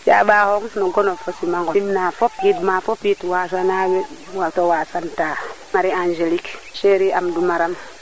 jaɓaxong no goonof fo no simangolof simna fop gidma fopit wasana wiin we to wasan ta Marie Angelique cherie Amdou Marame